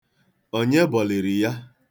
Onye bọliri ya?